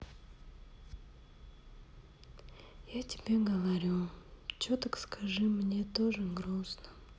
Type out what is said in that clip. я тебе говорю че так скажи мне тоже грустно